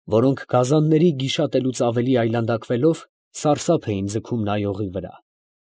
Որոնք գազանների գիշատելուց ավելի այլանդակվելով սարսափ էին ձգում նայողի վրա։